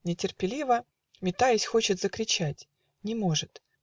нетерпеливо Метаясь, хочет закричать: Не может